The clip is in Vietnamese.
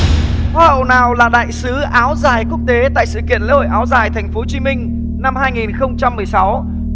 hoa hậu nào là đại sứ áo dài quốc tế tại sự kiện lễ hội áo dài thành phố chí minh năm hai nghìn không trăm mười sáu